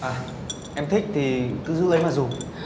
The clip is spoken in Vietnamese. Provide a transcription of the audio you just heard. à em thích thì cứ giữ lấy mà dùng